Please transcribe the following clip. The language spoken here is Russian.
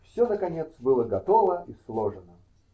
Все наконец было готово и сложено.